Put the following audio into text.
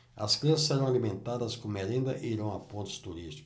as crianças serão alimentadas com merenda e irão a pontos turísticos